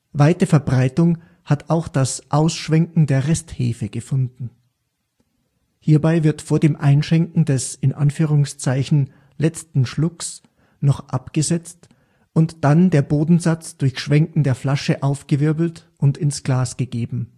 Weite Verbreitung hat auch das Ausschwenken der Resthefe gefunden. Hierbei wird vor dem Einschenken des „ letzten Schlucks “noch abgesetzt und dann der Bodensatz durch schwenken der Flasche aufgewirbelt und ins Glas gegeben